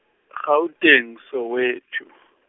Gauteng Soweto .